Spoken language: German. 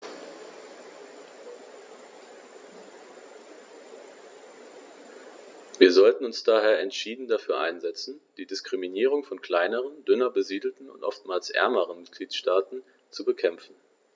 Wir sollten uns daher entschieden dafür einsetzen, die Diskriminierung von kleineren, dünner besiedelten und oftmals ärmeren Mitgliedstaaten zu bekämpfen.